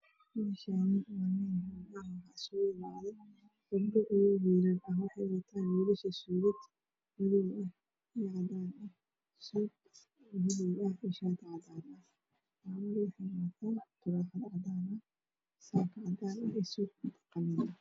Meeshaani waa meel la isgu gabdho wiilal cadaan shaati buluug taruxad cadaan